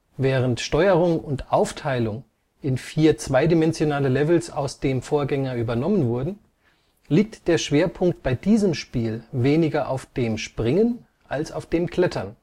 Während Steuerung und Aufteilung in vier zweidimensionale Levels aus dem Vorgänger übernommen wurden, liegt der Schwerpunkt bei diesem Spiel weniger auf dem Springen als auf dem Klettern